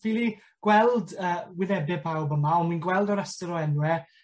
ffili gweld yy wynebe pawb yma ond wi'n gweld y rester o enwe